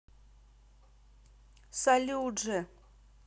салют ж